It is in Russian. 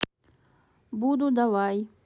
буду давай